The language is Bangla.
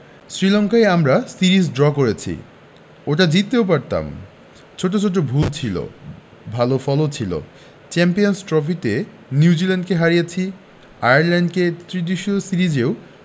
শ্রীলঙ্কায় আমরা সিরিজ ড্র করেছি ওটা জিততেও পারতাম ছোট ছোট ভুল ছিল ভালো ফলও ছিল চ্যাম্পিয়নস ট্রফিতে নিউজিল্যান্ডকে হারিয়েছি আয়ারল্যান্ডে ত্রিদেশীয় সিরিজেও